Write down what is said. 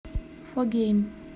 фо гейм